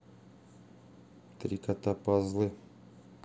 три кота паззлы